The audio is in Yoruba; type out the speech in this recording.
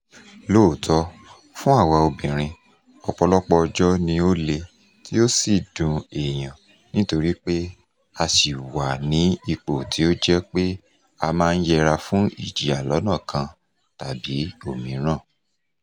Lóòótọ́, fún àwa obìnrin ọ̀pọ̀lọpọ̀ ọjọ́ ni ó le tí ó sì ń dùn èèyàn nítorí pé a ṣì wà ní ipò tí ó jẹ́ pé a máa ń yẹra fún ìjìyà lọ́nà kan tàbí òmíràn.